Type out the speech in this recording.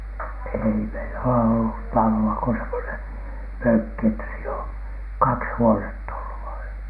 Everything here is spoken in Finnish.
ei meillä ole ollut taloa kuin semmoinen mökki että siinä on kaksi huonetta ollut vain ja